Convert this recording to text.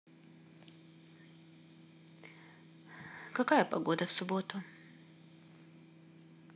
какая погода в субботу